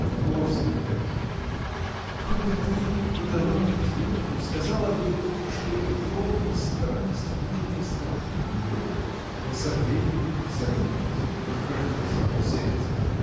— Ты вовсе не кокетка: хоть бы ты подала надежду, сказала бы, что упорная страсть может растопить лед, и со временем взаимность прокрадется в сердце.